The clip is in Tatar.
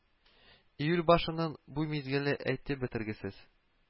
Июль башының бу мизгеле әйтеп бетергесез